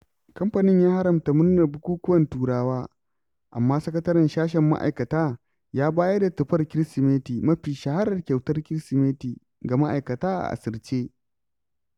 Kamfanin ya haramta murnar bukukuwan Turawa. Amma sakataren sashen ma'aikata ya bayar da tufar Kirsimeti [mafi shaharar kyautar Kirsimeti] ga ma'aikata a asirce.